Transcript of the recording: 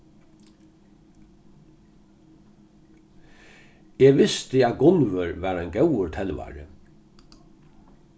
eg visti at gunnvør var ein góður telvari